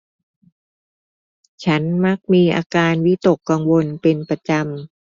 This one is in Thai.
ฉันมักมีอาการวิตกกังวลเป็นประจำ